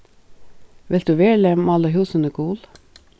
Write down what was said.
vilt tú veruliga mála húsini gul